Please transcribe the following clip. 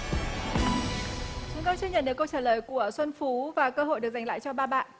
chúng tôi chưa nhận được câu trả lời của xuân phú và cơ hội được giành lại cho ba bạn